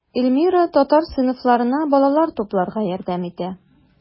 Эльмира татар сыйныфларына балалар тупларга ярдәм итә.